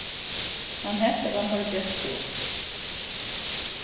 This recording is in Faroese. hann helt at hann hoyrdi eitt skot